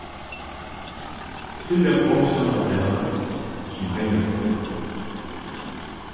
silja kom sama dag sum heini fór